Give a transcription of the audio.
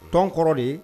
Tɔn kɔrɔ de